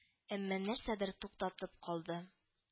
Әмма нәрсәдер туктатып калды